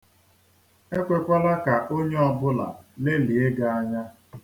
Ekwekwala ka onye ọbụla lelịa gị anya.